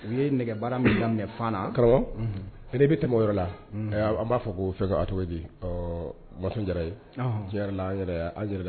U ye nɛgɛ baara min daminɛ minɛfan karamɔgɔre bɛ tɛmɛ o yɔrɔ la an b'a fɔ k'o fɛ kato di ma jara ye diɲɛ an an yɛrɛ